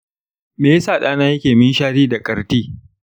me yasa ɗana yake minshari da ƙartı?